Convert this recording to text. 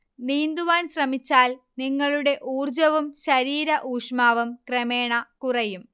നീന്തുവാൻ ശ്രമിച്ചാൽ നിങ്ങളുടെ ഊർജവും ശരീര ഊഷ്മാവും ക്രമേണ കുറയും